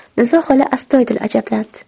niso xola astoydil ajablandi